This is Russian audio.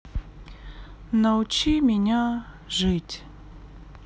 научи меня жить